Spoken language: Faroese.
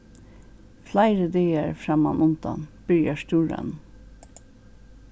fleiri dagar frammanundan byrjar stúranin